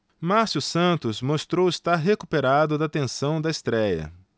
márcio santos mostrou estar recuperado da tensão da estréia